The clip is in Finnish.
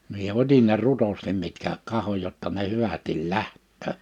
minä otin ne rutosti mitkä katsoin jotta ne hyvästi lähtee